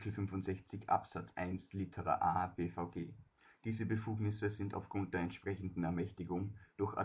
65 Abs 1 lit a B-VG. Diese Befugnisse sind aufgrund der entsprechenden Ermächtigung durch